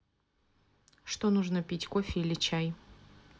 что нужно пить кофе или чай